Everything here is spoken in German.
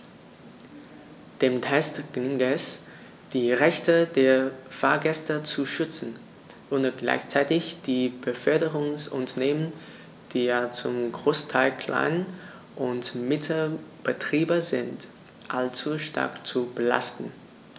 Dem Text gelingt es, die Rechte der Fahrgäste zu schützen, ohne gleichzeitig die Beförderungsunternehmen - die ja zum Großteil Klein- und Mittelbetriebe sind - allzu stark zu belasten.